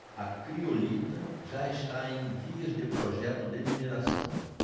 a criolita já está em vias de projeto de mineração